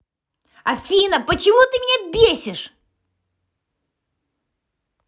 афина почему ты меня бесишь